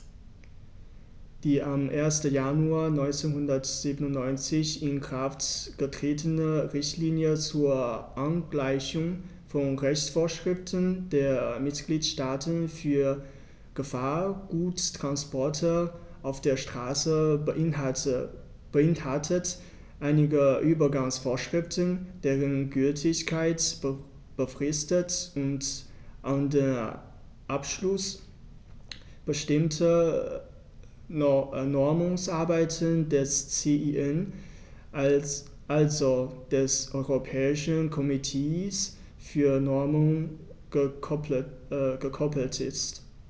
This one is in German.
Die am 1. Januar 1997 in Kraft getretene Richtlinie zur Angleichung von Rechtsvorschriften der Mitgliedstaaten für Gefahrguttransporte auf der Straße beinhaltet einige Übergangsvorschriften, deren Gültigkeit befristet und an den Abschluss bestimmter Normungsarbeiten des CEN, also des Europäischen Komitees für Normung, gekoppelt ist.